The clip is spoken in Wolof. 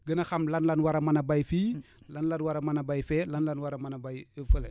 gën a xam lan lañu war a mën a béy fii lan la ñu war a mën a béy fee lan la ñu war a mën béy fële